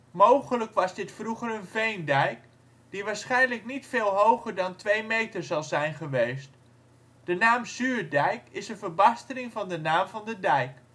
Mogelijk was dit vroeger een veendijk, die waarschijnlijk niet veel hoger dan 2 meter zal zijn geweest. De naam Zuurdijk is een verbastering van de naam van de dijk